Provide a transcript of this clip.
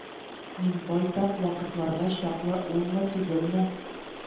Мин байтак вакытларга чаклы «улмы, түгелме